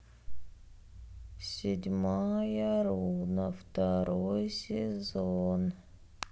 седьмая руна второй сезон